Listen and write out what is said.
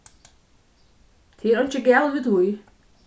tað er einki galið við tí